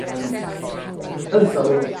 yym yn syml